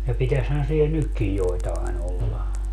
ja pitäisihän siellä nytkin joitain olla